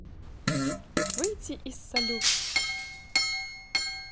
выйти из салют